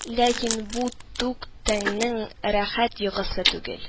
Ләкин бу тук тәннең рәхәт йокысы түгел